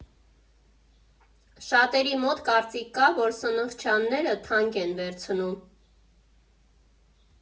Շատերի մոտ կարծիք կա, որ Սնխչյանները թանկ են վերցնում։